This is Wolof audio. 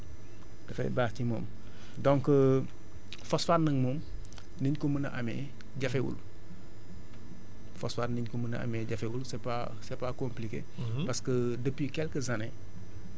dafay dafay dafay dafay baax ci moom daal dafay baax ci moom donc phosphate nag moom niñ ko mën a amee jafewul phosphate ni ñu ko mën a amee jafewul c' est pas c' est pas compliqué